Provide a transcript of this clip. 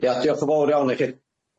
Ia diolch yn fowr iawn i chi,